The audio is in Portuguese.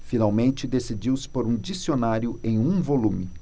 finalmente decidiu-se por um dicionário em um volume